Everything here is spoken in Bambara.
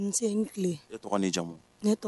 N n tɔgɔ jamu